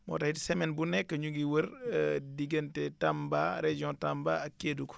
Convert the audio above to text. moo taxit semaine bu nekk ñu ngi wër diggante Tamba région Tamba ak Kédougou